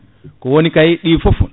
ko woni kayi ɗi foof